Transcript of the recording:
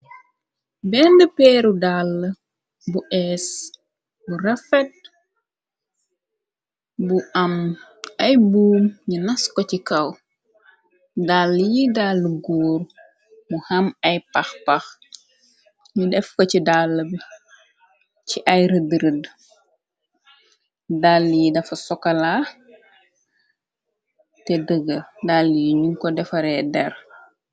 Benne peeru dàlla bu ees bu rafet bu am ay bmuum ñi nas ko ci kaw dàl yi dallu góur mu ham ay paxpax ñu def ko ci dàlla bi ci ay rëdrëd dalli yi dafa sokolaa te dëgël dalli yi ñu ko defaree der.